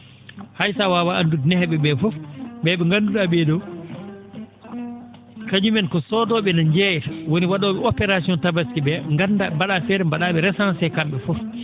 hay so a waawaa anddude nehee?e ?ee fof ?e ?e ngandu?a ?ee ?oo kañumen ko soodoo?e ne njeeyta woni wa?oo?e opération tabaski ?ee nganndaa?e mba?aa feere mba?aa ?e rescensée kam?e fof